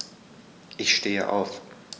Ich stehe auf.